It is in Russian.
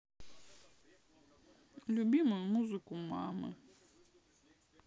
любимую музыку мамы